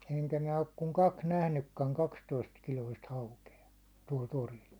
enkä minä ole kuin kaksi nähnytkään kaksitoistakiloista haukea tuolla torilla